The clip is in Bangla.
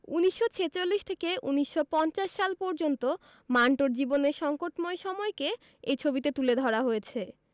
১৯৪৬ থেকে ১৯৫০ সাল পর্যন্ত মান্টোর জীবনের সংকটময় সময়কে এ ছবিতে তুলে ধরা হয়েছে